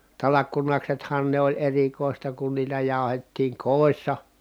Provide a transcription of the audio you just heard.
talkkunaksethan ne oli erikoista kun niitä jauhettiin kodissa